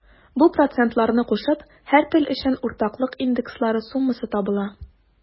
Бу процентларны кушып, һәр тел өчен уртаклык индекслары суммасы табыла.